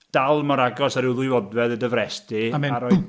Dal mor agos a ryw ddwy fodfedd i dy frest di... A mynd boof.